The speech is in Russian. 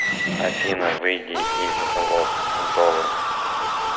афина выйди из золы